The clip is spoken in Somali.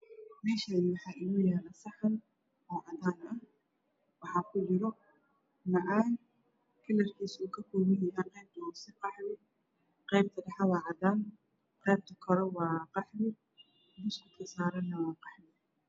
Meeshaani waxaa inoo yaala saxan oo cadaan ah waxaa kujira macmacaan kalarkiisu ka kooban yahay qeyta hoose waa qaxwi, qeybta dhexana waa cadaan, qeybta korana waa qaxwi, buskudka saarana waa qaxwi.